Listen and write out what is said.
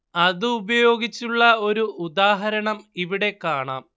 അത് ഉപയോഗിച്ചുള്ള ഒരു ഉദാഹരണം ഇവിടെ കാണാം